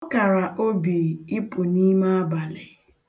Ọ kara obi ịpụ n'ime abalị.